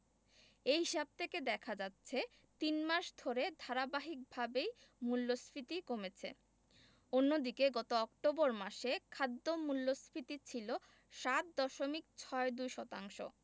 এ হিসাব থেকে দেখা যাচ্ছে তিন মাস ধরে ধারাবাহিকভাবেই মূল্যস্ফীতি কমেছে অন্যদিকে গত অক্টোবর মাসে খাদ্য মূল্যস্ফীতি ছিল ৭ দশমিক ৬২ শতাংশ